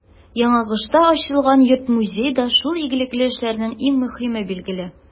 Яңагошта ачылган йорт-музей да шул игелекле эшләрнең иң мөһиме, билгеле.